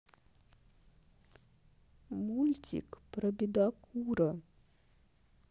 мультик про бедокура